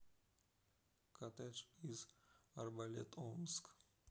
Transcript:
коттедж из арбалет омск